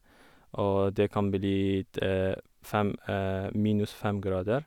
Og det kan bli fem minus fem grader.